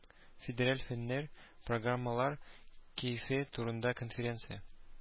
Федераль фэннэр программалар кәефе турында конференция.